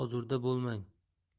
mendan ozurda bo'lmang